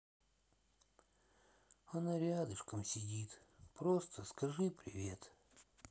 она рядышком сидит просто скажи привет